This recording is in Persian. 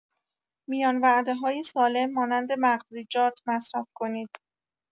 میان‌وعده‌های سالم مانند مغزیجات مصرف کنید.